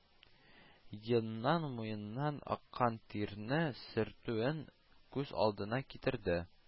Еннан, муеныннан аккан тирне сөртүен күз алдына китерде